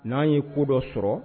N'an ye ko dɔ sɔrɔ